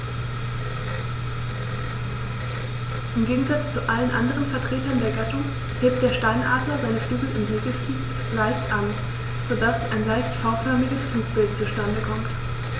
Im Gegensatz zu allen anderen Vertretern der Gattung hebt der Steinadler seine Flügel im Segelflug leicht an, so dass ein leicht V-förmiges Flugbild zustande kommt.